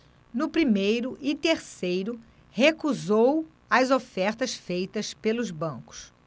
no primeiro e terceiro recusou as ofertas feitas pelos bancos